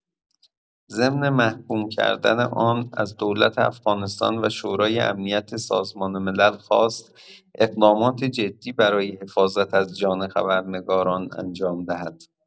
ضمن محکوم کردن آن از دولت افغانستان و شورای امنیت سازمان ملل خواست اقدامات جدی برای حفاظت از جان خبرنگاران انجام دهد.